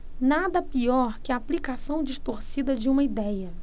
nada pior que a aplicação distorcida de uma idéia